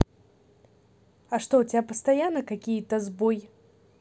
а что у тебя постоянно какие то сбой